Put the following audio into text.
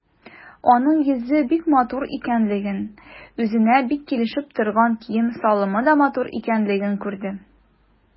Аның йөзе бик матур икәнлеген, үзенә бик килешеп торган кием-салымы да матур икәнлеген күрде.